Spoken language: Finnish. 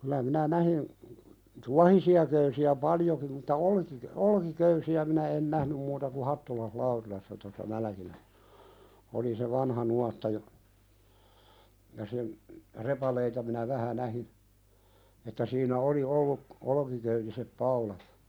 kyllä minä näin tuohisia köysiä paljonkin mutta - olkiköysiä minä en nähnyt muuta kuin Hattulan Laurilassa tuossa Mälkilässä oli se vanha nuotta ja ja sen repaleita minä vähän näin että siinä oli ollut olkiköyden paulat